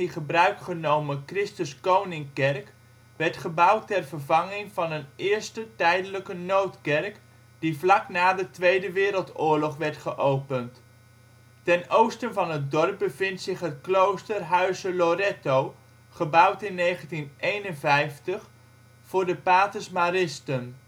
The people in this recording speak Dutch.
gebruik genomen ' Christus Koning ' kerk werd gebouwd ter vervanging van een eerste (tijdelijke) noodkerk die vlak na de Tweede Wereldoorlog werd geopend. Ten oosten van het dorp bevindt zich het klooster ' Huize Loreto ', gebouwd in 1951, voor de Paters Maristen